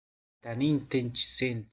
vataning tinch sen tinch